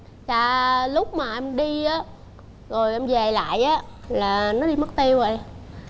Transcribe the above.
dạ lúc mà em đi á rồi em về lại á là nó đi mất tiêu rồi